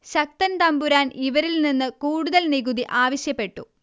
ശക്തന് തമ്പുരാന് ഇവരില് നിന്ന് കൂടുതല് നികുതി ആവശ്യപ്പെട്ടു